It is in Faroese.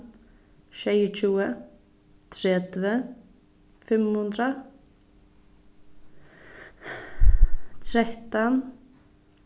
sjeyogtjúgu tretivu fimm hundrað trettan